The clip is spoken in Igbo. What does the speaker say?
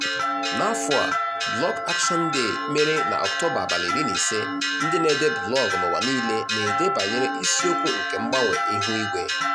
N'afọ a Blog Action Day mere na Ọktoba 15, ndị na-ede blọọgụ n'ụwa nile na-ede banyere isiokwu nke mgbanwe ihu igwe.